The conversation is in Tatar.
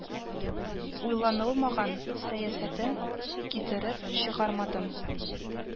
Уйланылмаган сәясәте китереп чыгармадым